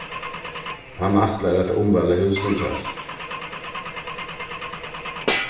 hann ætlar at umvæla húsini hjá sær